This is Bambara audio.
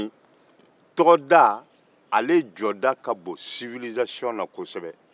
tɔgɔda nafa ka bon kosɛbe an ka civilisation na